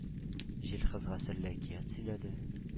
Җил кызга серле әкият сөйләде: